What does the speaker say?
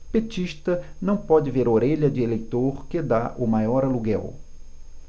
petista não pode ver orelha de eleitor que tá o maior aluguel